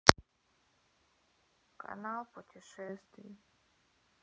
канал путешествий